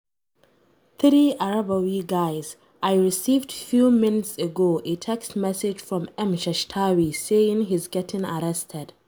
3arabawyGuys, I received few mins ago a text message from @msheshtawy saying he's getting arrested.